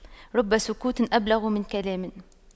رب سكوت أبلغ من كلام